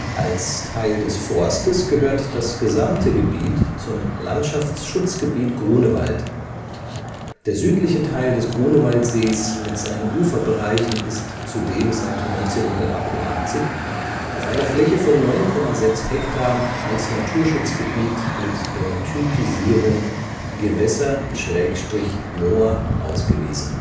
Als Teil des Forstes gehört das gesamte Gebiet zum Landschaftsschutzgebiet Grunewald. Der südliche Teil des Grunewaldsees mit seinen Uferbereichen ist zudem seit 1988 auf einer Fläche von 9,6 Hektar als Naturschutzgebiet mit der Typisierung „ Gewässer/Moor “ausgewiesen